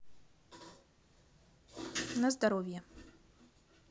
на здоровье